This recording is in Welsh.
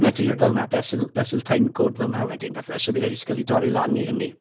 'Na ti, fel 'na, fesul fesul timecode fel 'na wedyn. Fath o beth, so bydd jest wedi cael ei dorri lan i hynny.